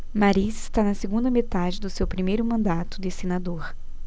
mariz está na segunda metade do seu primeiro mandato de senador